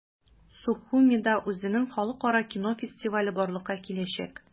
Сухумида үзенең халыкара кино фестивале барлыкка киләчәк.